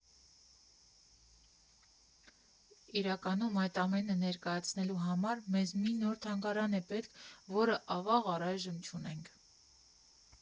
Իրականում, այդ ամենը ներկայացնելու համար մեզ մի նոր թանգարան է պետք, որը, ավաղ, առայժմ չունենք։